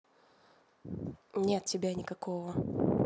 нет тебя никакого